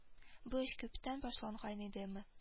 Бу эш күптән башланган идеме